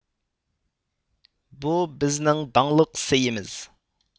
بۇ بىزنىڭ داڭلىق سېيىمىز